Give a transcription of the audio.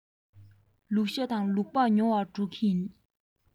ལུག ཤ དང ལུག ལྤགས ཉོ བར འགྲོ གི ཡིན